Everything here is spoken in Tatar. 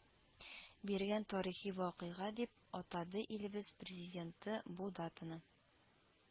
Биргән тарихи вакыйга дип атады илебез президенты бу датаны